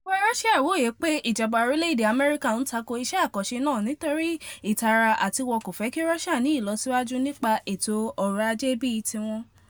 Ìjọba Russia wòye pé ìjọba orílẹ̀èdè Amẹ́ríkà ń tako iṣẹ́ àkànṣè náà nítorí ìtara àti wọn kò fẹ́ kí Russia ní ìlọsíwájú nípa ètò ọrọ̀ ajé bíi tiwọn.